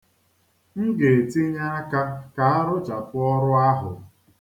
M ga-etinye aka ka a rụchapụ ọrụ ahụ.